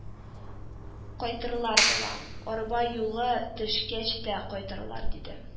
– кайтырлар, балам, арба юлы төшкәч тә кайтырлар, – диде